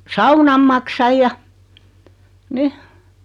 saunan maksan ja niin